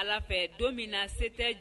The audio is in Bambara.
Fɛ don min na se tɛ